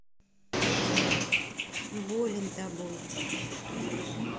болен тобой